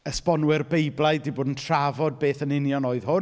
esbonwyr beiblaidd, 'di bod yn trafod beth yn union oedd hwn.